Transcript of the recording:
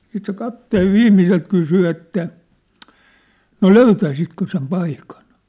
sitten se kapteenin viimeiseltä kysyi että no löytäisitkö sen paikan